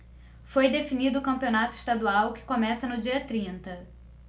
foi definido o campeonato estadual que começa no dia trinta